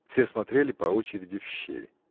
Все смотрели по очереди в щель.